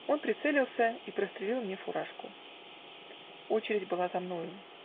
Он прицелился и прострелил мне фуражку. Очередь была за мною.